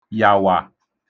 yàwà